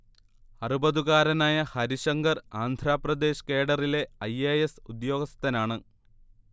അറുപതുകാരനായ ഹരിശങ്കർ ആന്ധ്രപ്രദേശ് കേഡറിലെ I. A. S ഉദ്യോഗസ്ഥനാണ്